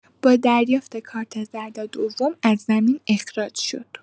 با دریافت کارت زرد دوم از زمین اخراج شد